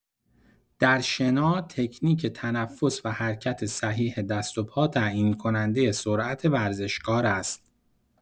در شنا، تکنیک تنفس و حرکت صحیح دست و پا تعیین‌کننده سرعت ورزشکار است.